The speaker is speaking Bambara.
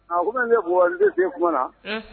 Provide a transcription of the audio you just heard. A ko ye bu den kuma na